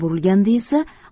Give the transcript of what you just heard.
burilganida esa